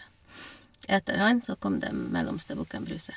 Etter han, så kom den mellomste bukken Bruse.